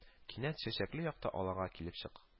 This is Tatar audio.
Кинәт чәчәкле якты аланга килеп чык